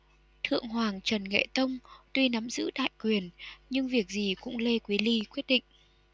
thượng hoàng trần nghệ tông tuy nắm giữ đại quyền nhưng việc gì cũng lê quý ly quyết định